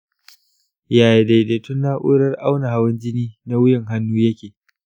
yaya daidaiton na’urar auna hawan jini na wuyan hannu yake?